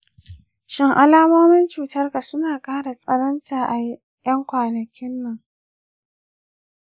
shin alamomin cutarka suna kara tsananta a 'yan kwanakin nan?